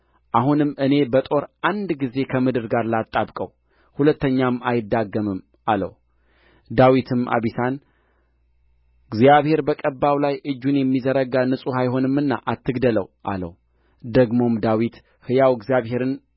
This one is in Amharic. አሁንም እኔ በጦር አንድ ጊዜ ከምድር ጋር ላጣብቀው ሁለተኛም አያዳግምም አለው ዳዊትም አቢሳን እግዚአብሔር በቀባው ላይ እጁን የሚዘረጋ ንጹሕ አይሆንምና አትግደለው አለው ደግሞም ዳዊት ሕያው እግዚአብሔርን